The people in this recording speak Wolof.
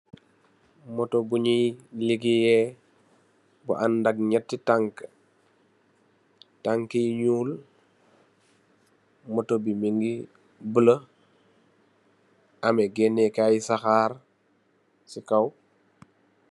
Moto bu nye ligaye bu andak nëtt tank, tanki yu ñuul. Moto bi mungi bulo, ameh gënnèkaay sahar ci kaw.